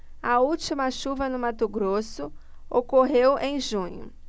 a última chuva no mato grosso ocorreu em junho